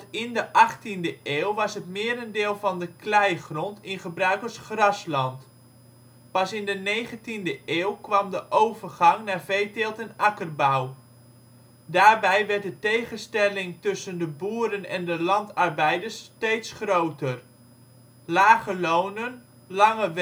in de achttiende eeuw was het merendeel van de kleigrond in gebruik als grasland. Pas in de negentiende eeuw kwam de overgang naar veeteelt en akkerbouw. Daarbij werd de tegenstelling tussen de boeren en de landarbeiders steeds groter. Lage lonen, lange